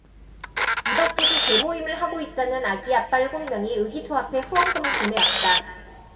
이밖에도 계모임을 하고 있다는 아기 아빠 일곱 명이 의기투합해 후원금을 보내왔다